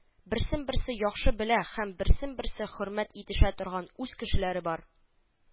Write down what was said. Берсен-берсе яхшы белә һәм берсен-берсе хөрмәт итешә торган үз кешеләре бар